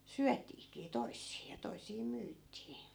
syötiinkin toisia ja toisia myytiin